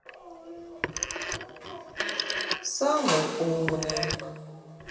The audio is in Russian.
самый умный